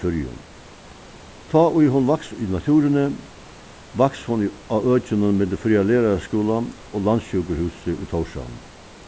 føroyum tá ið hon vaks í náttúruni vaks hon í á økinum millum føroya læraraskúlan og landssjúkrahúsið í tórshavn